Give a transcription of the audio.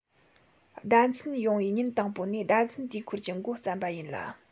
ཟླ མཚན ཡོང བའི ཉིན དང པོ ནས ཟླ མཚན དུས འཁོར གྱི མགོ བརྩམས པ ཡིན ལ